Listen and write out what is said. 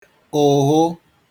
ụ̀ghụ